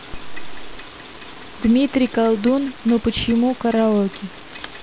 дмитрий колдун ну почему караоке